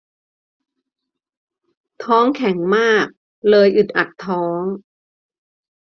ท้องแข็งมากเลยอึดอัดท้อง